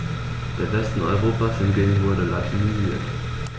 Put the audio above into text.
Der Westen Europas hingegen wurde latinisiert.